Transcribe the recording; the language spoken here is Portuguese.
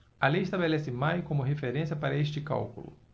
a lei estabelece maio como referência para este cálculo